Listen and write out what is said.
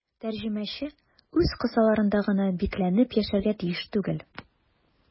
Тәрҗемәче үз кысаларында гына бикләнеп яшәргә тиеш түгел.